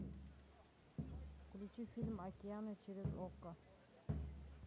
включи фильм океаны через окко